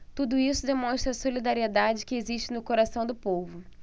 tudo isso demonstra a solidariedade que existe no coração do povo